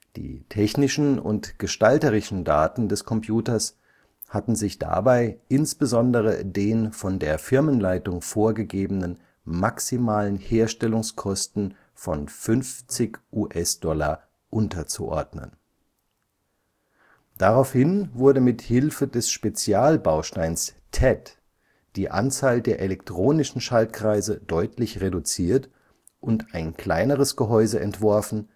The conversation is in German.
Die technischen und gestalterischen Daten des Computers hatten sich dabei insbesondere den von der Firmenleitung vorgegebenen maximalen Herstellungskosten von 50 $ unterzuordnen. Daraufhin wurde mithilfe des Spezialbausteins TED die Anzahl der elektronischen Schaltkreise deutlich reduziert und ein kleineres Gehäuse entworfen